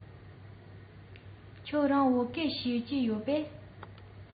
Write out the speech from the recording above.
ཁྱེད རང བོད སྐད ཤེས ཀྱི ཡོད པས